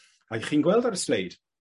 Ag 'ych chi'n gweld ar y sleid